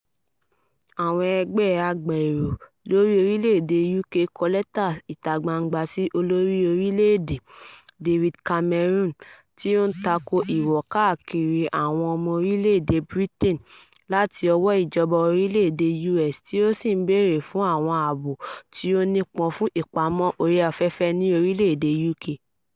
Àwọn ẹgbẹ́ agbaèrò ní orílẹ̀ èdè UK kọ lẹ́tà ìta gbangba sí Olórí Orílẹ̀ èdè David Cameron, tí ó ń tako ìwò káàkiri àwọn ọmọ orílẹ̀ èdè Britain láti ọwọ́ ìjọba orílẹ̀ èdè US tí ó sì ń bèèrè fún àwọn ààbò tí ó nípọn fún ìpamọ́ orí afẹ́fẹ́ ní orílẹ̀ èdè UK.